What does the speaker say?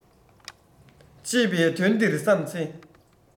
ཅེས པའི དོན འདིར བསམ ཚེ